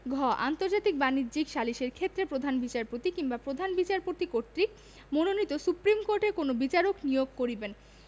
ঘ আন্তর্জাতিক বাণিজ্যিক সালিসের ক্ষেত্রে প্রধান বিচারপতি কিংবা প্রধান বিচারপতি কর্তৃক মনোনীত সুপ্রীম কোর্টের কোন বিচারক নিয়োগ করিবেন